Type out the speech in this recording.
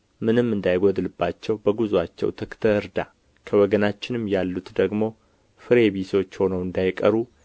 ምንም እንዳይጎድልባቸው በጉዞአቸው ተግተህ እርዳ ከወገናችንም ያሉት ደግሞ ፍሬ ቢሶች ሆነው እንዳይቀሩ